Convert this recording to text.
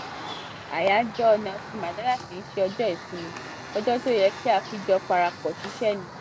Àyájọ́ Nelson Mandela kìí ṣe ọjọ́ ìsinmi - ọjọ́ tí ó yẹ kí a fi jọ parapọ̀ ṣiṣẹ́ ni.